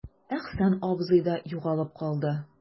Әхсән абзый да югалып калды.